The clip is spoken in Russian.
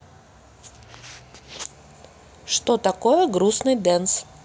что такое грустный дэнс